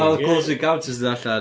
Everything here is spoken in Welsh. Oedd Close Encounters yn dod allan.